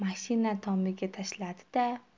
mashina tomiga tashladi da